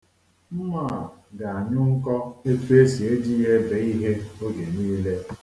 Mma a ga-anyụ nkọ etu e si eji ya ebe ihe oge niile.